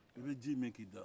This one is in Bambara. i bɛ ji min k'i da